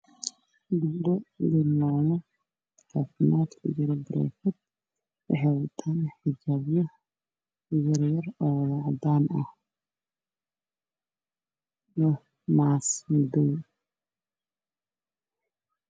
Waa naago waxay wataan xijaabo cadaan ah